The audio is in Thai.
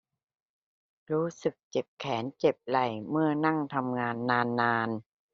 รู้สึกเจ็บแขนเจ็บไหล่เมื่อนั่งทำงานนานนาน